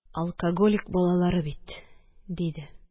Алкоголик балалары бит, – диде.